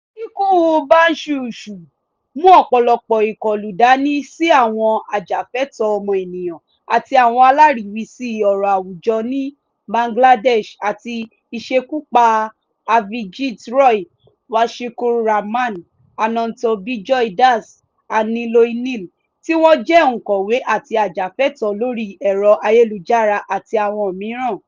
Ikú Bachchu mú ọ̀pọ̀lọpọ̀ ìkọlù dání sí àwọn ajàfẹ́tọ̀ọ́ ọmọniyàn àti àwọn aláríwísí ọ̀rọ̀ àwùjọ ní Bangladesh, àti ìṣekúpa Avijit Roy, Washiqur Rahman, Ananto Bijoy Das and Niloy Neel tí wọ́n jẹ́ oǹkọ̀wé àti ajàfẹ́tọ̀ọ́ lóri ẹ̀rọ ayélujára, àti àwọn míràn.